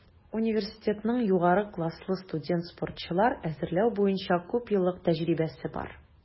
Университетның югары класслы студент-спортчылар әзерләү буенча күпьеллык тәҗрибәсе бар.